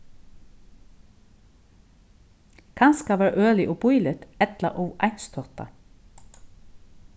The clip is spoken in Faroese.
kanska var ølið ov bíligt ella ov einstáttað